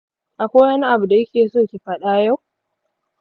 akwai wani abu da kikeso ki fada yau?